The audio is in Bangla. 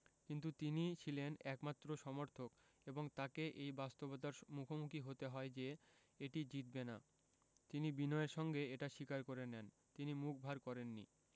কিন্তু তিনি ছিলেন একমাত্র সমর্থক এবং তাঁকে এই বাস্তবতার মুখোমুখি হতে হয় যে এটি জিতবে না তিনি বিনয়ের সঙ্গে এটা স্বীকার করে নেন তিনি মুখ ভার করেননি